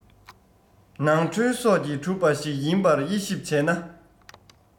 ནང ཁྲོལ སོགས ཀྱིས གྲུབ པ ཞིག ཡིན པར དབྱེ ཞིབ བྱས ན